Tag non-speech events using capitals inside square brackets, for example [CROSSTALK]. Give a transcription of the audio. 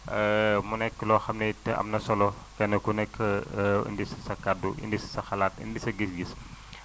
[HESITATION] mu nekk loo xam ne it am na solo kenn ku nekk [HESITATION] indi si sa kaddu indi si sa xalaat indi sa gis-gis [INHALES]